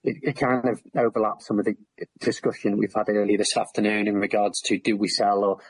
it- it kind of overlaps some of the discussion we've had earlier this afternoon in regards to do we sell or